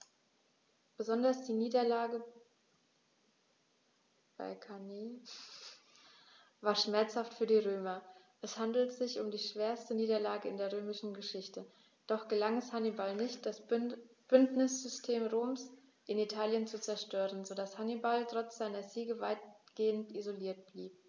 Besonders die Niederlage bei Cannae war schmerzhaft für die Römer: Es handelte sich um die schwerste Niederlage in der römischen Geschichte, doch gelang es Hannibal nicht, das Bündnissystem Roms in Italien zu zerstören, sodass Hannibal trotz seiner Siege weitgehend isoliert blieb.